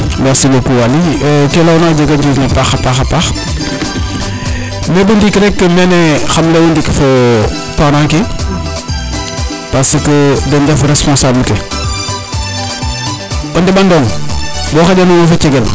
merci beaucoup Waly ke leyona a jega o njiriñ a paxa paax mais bo ndiik rek mene xam leyo ndik fo parent ke parce que den ndefu responsable ke o ndeɓanong bo xaƴa nona fo cegel